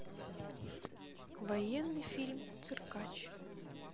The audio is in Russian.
военный фильм циркач